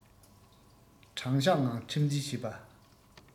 དྲང གཞག ངང ཁྲིམས འཛིན བྱེད པ